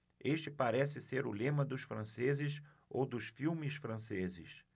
este parece ser o lema dos franceses ou dos filmes franceses